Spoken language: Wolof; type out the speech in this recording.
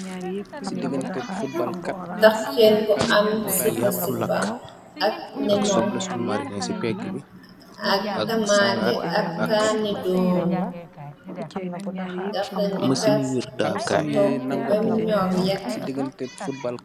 Dahkhen bu am sipasipa ak nemon ak tamaateh ak kanni doom. Dahkhen bi kat ñung ko tog gu bem ñor yekk.